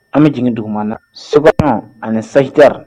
An bɛ jigin duguman na so ani sajita